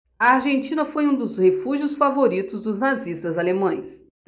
a argentina foi um dos refúgios favoritos dos nazistas alemães